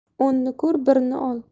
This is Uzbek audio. o'nni ko'r birni ol